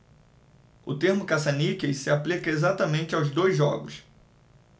o termo caça-níqueis se aplica exatamente aos dois jogos